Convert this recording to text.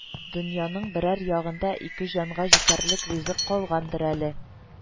Дөньяның берәр ягында ике җанга җитәрлек ризык калгандыр әле